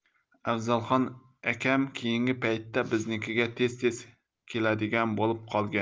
afzalxon akam keyingi paytda biznikiga tez tez keladigan bo'lib qolgan